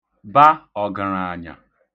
ba òġə̣̀ràànyà